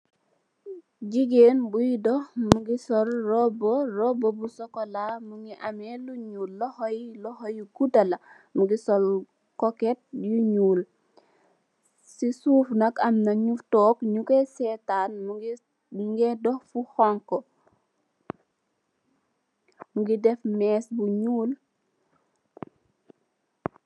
Jegain buye doh muge sol roubu roubu bu sukola muge ameh lu nuul lohou ye lohou yu gouda la muge sol koket yu nuul se suuf nak amna nu tonke nukoye setan muge doh fu xonxo muge def mess bu nuul.